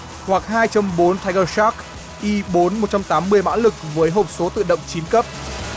hoặc hai chấm bốn thai gơ sác y bốn một trăm tám mươi mã lực với hộp số tự động chín cấp